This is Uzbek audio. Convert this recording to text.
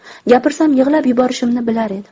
gapirsam yig'lab yuborishimni bilar edim